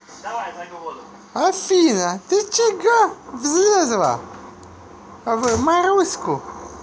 афина ты чего влезла в маруську